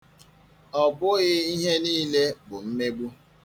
Ọ bụghị ihe niile bụ mmegbu.